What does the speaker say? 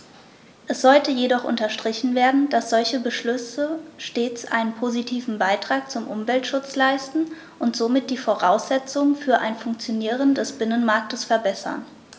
Es sollte jedoch unterstrichen werden, dass solche Beschlüsse stets einen positiven Beitrag zum Umweltschutz leisten und somit die Voraussetzungen für ein Funktionieren des Binnenmarktes verbessern.